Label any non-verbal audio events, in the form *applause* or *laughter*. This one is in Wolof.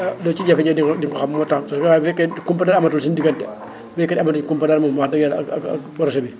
ah boo ci * di nga ko di nga ko xam moo tax te souvent bu fekkee kumpa daal amatul suñu diggante *crosstalk* baykat yi amatuñ kumpa daal moom wax dëgg yàlla ak ak projet bi